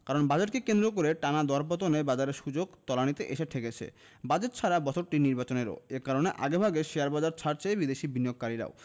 কারণ বাজেটকে কেন্দ্র করে টানা দরপতনে বাজারের সূচক তলানিতে এসে ঠেকেছে বাজেট ছাড়া বছরটি নির্বাচনেরও এ কারণে আগেভাগে শেয়ারবাজার ছাড়ছে বিদেশি বিনিয়োগকারীরাও